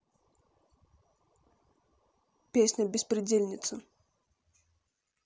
песня беспредельница